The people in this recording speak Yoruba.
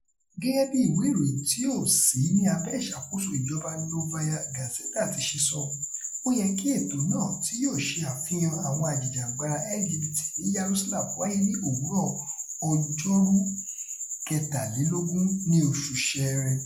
Gẹ́gẹ́ bí ìwé ìròyìn tí ò sí ní abẹ́ ìṣàkóso ìjọba Novaya Gazeta ti ṣe sọ, ó yẹ kí ètò náà tí yóò ṣe àfihàn àwọn ajìjàǹgbara LGBT ní Yaroslavl wáyé ní òwúrọ̀ Ọjọ́rú 23, ní oṣù Ṣẹẹrẹ.